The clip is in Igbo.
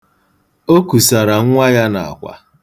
O kusara nwa ya n'akwa.